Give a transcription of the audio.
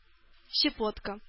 Щепотка